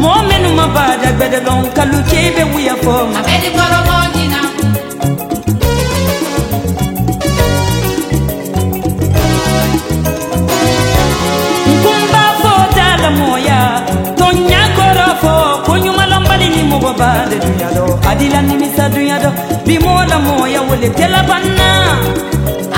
Mɔgɔ minnu bada bɛda kalo cɛ in bɛ bonya ye fɔ sanba fɔ tɛ lamɔmɔgɔya son kofɔ ko ɲumanumalama ni mɔgɔ bayadila nimisadondɔn bi mɔgɔdamɔgɔya wele teuna